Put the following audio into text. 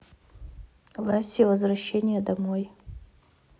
лесси возвращение домой